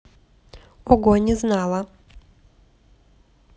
ого не знала